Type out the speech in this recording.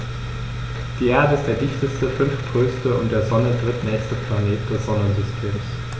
Die Erde ist der dichteste, fünftgrößte und der Sonne drittnächste Planet des Sonnensystems.